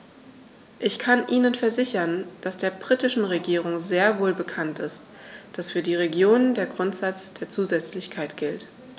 Ich kann Ihnen versichern, dass der britischen Regierung sehr wohl bekannt ist, dass für die Regionen der Grundsatz der Zusätzlichkeit gilt.